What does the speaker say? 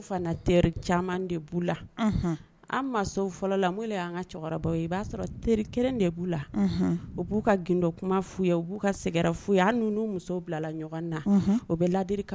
Fana teri caman de b'u la. Unhun. An ka so Fɔlɔ la minnu ye cɛkɔrɔbaw i b'a sɔrɔ teri kelen de b'u la. Unhun. U b'u ka gundo kuma f'u ye, u b'u ka secret f'u ye, hali nin u n'u musow bilala ɲɔgɔn na. Unhun. U bɛ ladilikan